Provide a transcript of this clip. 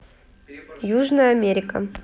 южная америка